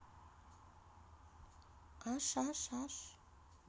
uh uh uh